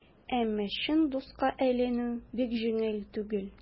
Әмма чын дуска әйләнү бик җиңел түгел.